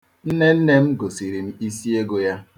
Nnenne m gosiri m isiego ya.